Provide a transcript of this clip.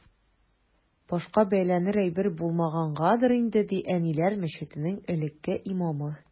Башка бәйләнер әйбер булмагангадыр инде, ди “Әниләр” мәчетенең элекке имамы.